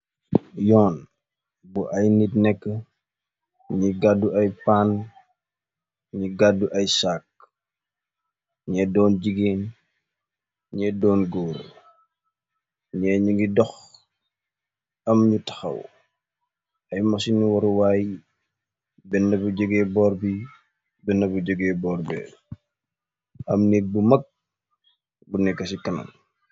Yoon bu ay nit nèkka ñi gàddu ay pan ñi gàddu ay sak ñe doon jigéen ñee doon gór ñee ñu ngi dox am ñu taxaw ay masini waruwaay benna bu jogé bor bi benna bu jogé bor bi am nék bu mag bu nèkka ci kanam.